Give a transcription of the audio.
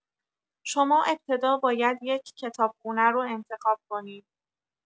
شما ابتدا باید یک کتابخونه رو انتخاب کنید!